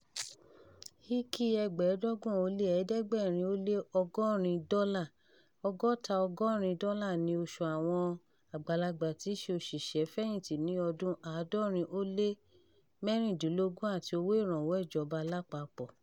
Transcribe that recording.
HK$5,780 (US$720) ni owó oṣù àwọn àgbàlagbà tí í ṣe òṣìṣẹ́-fẹ̀yìntì ní ọdún-un 2016 — àti owó ìrànwọ́ ìjọba lápapọ̀.